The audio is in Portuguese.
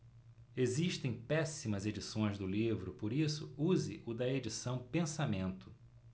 existem péssimas edições do livro por isso use o da edição pensamento